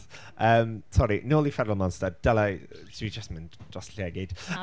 Yym, sori, nôl i Feral Monster. Dyla i... dwi jyst mynd dros lle i gyd.